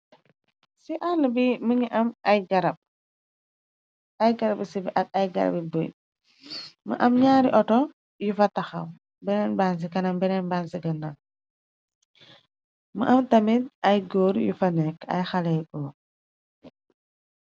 Ci àll bi mi ngi am ay garab ci bi ak ay garabi buy mi am ñaari outo yu fa taxaw beneen bansi kanam beneen ban cikanna mu am tamit ay góor yu fa nekk ay xaley ko.